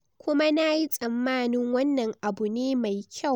Kuma nayi tsammanin wannan abu ne mai kyau. "